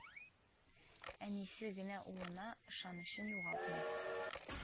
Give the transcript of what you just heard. Әнисе генә улына ышанычын югалтмый